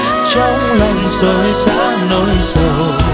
trong lòng rộn rã nỗi sầu